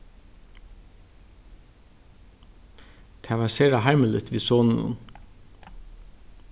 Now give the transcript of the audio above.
tað var sera harmiligt við soninum